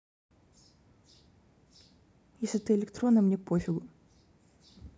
если ты электронный мне пофигу